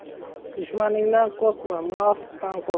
dushmaningdan qo'rqma munofiqdan qo'rq